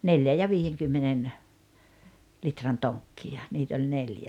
neljän ja viidenkymmenen litran tonkkia niitä oli neljä